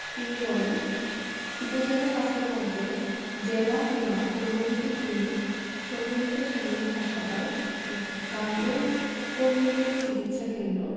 তিনি বলেন উপজেলা স্বাস্থ্য কমপ্লেক্স জেলা কিংবা কমিউনিটি ক্লিনিক সম্মিলিত সামরিক হাসপাতাল গার্মেন্টকর্মীদের চিকিৎসাকেন্দ্র